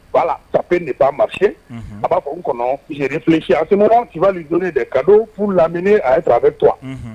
'a la pafe de ba marise a b'a fɔ u kɔnɔ zfisi a su joli de ka don furu lamini a ye sanfɛ to